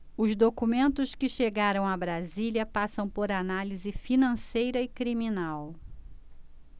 os documentos que chegaram a brasília passam por análise financeira e criminal